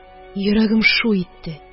Йөрәгем шу итте,